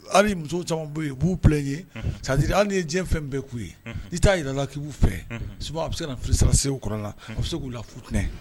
Hali muso caman' u b'u ye sadi hali ye diɲɛ fɛn bɛɛ k'u ye i t'a jira la k'i'u fɛ sumaworo a bɛ se na sara segu kɔrɔ la a bɛ se k'u la fut